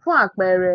Fún àpẹẹrẹ,